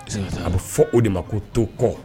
A bɛ fɔ o de ma ko to kɔ